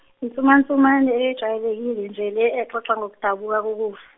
insumansumane ejwayelekile nje lena exoxa ngokudabuka kokuf-.